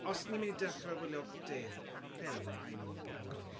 Os ni mynd i dechrau wylio da- ffilm, I'm gone.